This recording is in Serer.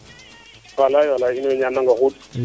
walay walay in mboy ñanang o xuuɗ